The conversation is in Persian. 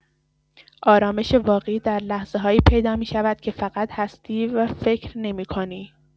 آرامش واقعی در لحظه‌هایی پیدا می‌شود که فقط هستی و فکر نمی‌کنی.